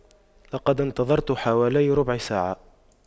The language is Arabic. لقد انتظرت حوالي ربع ساعة